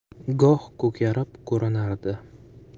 goh ko'karib ko'rinardi